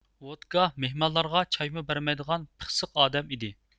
ۋودكا مېھمانلارغا چايمۇ بەرمەيدىغان پىخسىق ئادەم ئىدى